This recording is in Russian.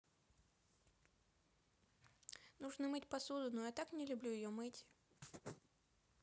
нужно мыть посуду но я так не люблю ее мыть